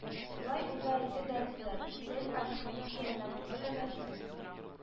Шулай уза иде дәресләр: тел, арифметика гына түгел, рәсем